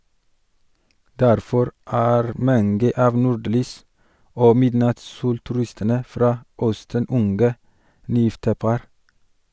Derfor er mange av nordlys- og midnattssolturistene fra Østen unge, nygifte par.